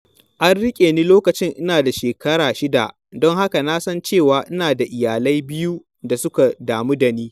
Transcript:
An riƙe ni lokacin ina da shekara shida don haka na san cewa ina da iyalai biyu da suka damu da ni.